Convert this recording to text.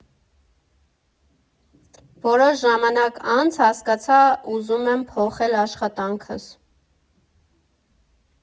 Որոշ ժամանակ անց հասկացա՝ ուզում եմ փոխել աշխատանքս։